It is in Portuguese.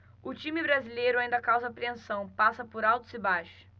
o time brasileiro ainda causa apreensão passa por altos e baixos